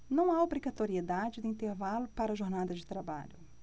não há obrigatoriedade de intervalo para jornadas de trabalho